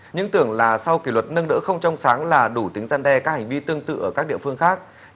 những tưởng là sau kỷ luật nâng đỡ không trong sáng là đủ tính răn đe các hành vi tương tự ở các địa phương khác